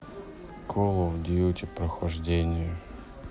кол оф дьюти прохождение